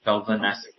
fel ddynas